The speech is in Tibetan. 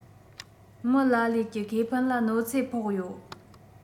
མི ལ ལས ཀྱི ཁེ ཕན ལ གནོད འཚེ ཕོག ཡོད